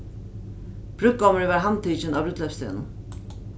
brúðgómurin varð handtikin á brúdleypsdegnum